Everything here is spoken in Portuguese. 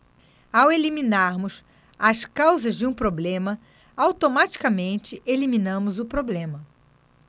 ao eliminarmos as causas de um problema automaticamente eliminamos o problema